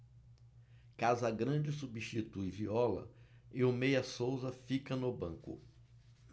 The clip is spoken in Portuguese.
casagrande substitui viola e o meia souza fica no banco